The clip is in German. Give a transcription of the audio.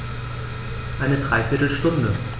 Eine dreiviertel Stunde